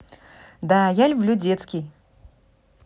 да люблю детский